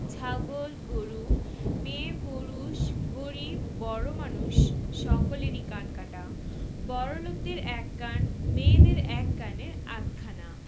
ছাগল গরু মেয়ে পুরুষ গরিব বড়োমানুয সকলেরই কান কাটা বড়োলোকদের এক কান মেয়েদের এক কানের আধখানা